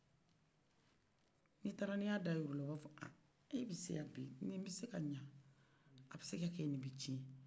n'i taara ni ya da yira ola o ba fɔ a e be se yan bi ni be se ka ɲɛ a be se ka kɛ ni be cɛn